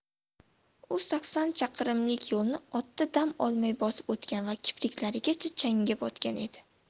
u sakson chaqirimlik yo'lni otda dam olmay bosib o'tgan va kipriklarigacha changga botgan edi